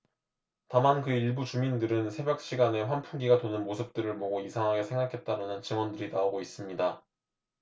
다만 그 일부 주민들은 새벽 시간에 환풍기가 도는 모습들을 보고 이상하게 생각했다라는 증언들이 나오고 있습니다